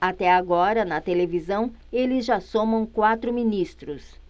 até agora na televisão eles já somam quatro ministros